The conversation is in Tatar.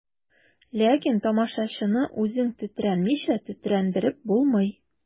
Ләкин тамашачыны үзең тетрәнмичә тетрәндереп булмый.